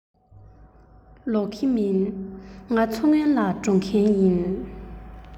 ལོག གི མིན ང མཚོ སྔོན ལ འགྲོ མཁན ཡིན